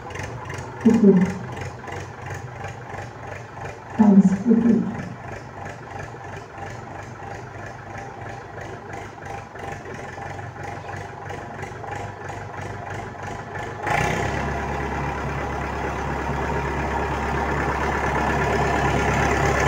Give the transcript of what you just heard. Boutout halis bii boutout.